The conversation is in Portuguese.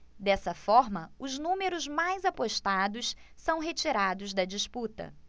dessa forma os números mais apostados são retirados da disputa